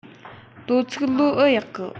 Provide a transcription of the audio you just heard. དོ ཚིག ལོ ཨེ ཡག གི